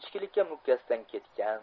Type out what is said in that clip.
ichkilikka mukkasidan ketgan